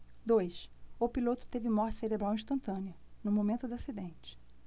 dois o piloto teve morte cerebral instantânea no momento do acidente